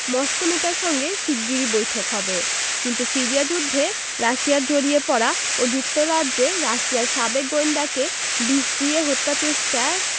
Moscow নেতার সঙ্গে শিগগিরই বৈঠক হবে কিন্তু সিরিয়া যুদ্ধে রাশিয়ার জড়িয়ে পড়া ও যুক্তরাজ্যে রাশিয়ার সাবেক গোয়েন্দাকে বিষ দিয়ে হত্যাচেষ্টার